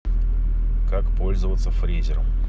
как пользоваться фрезером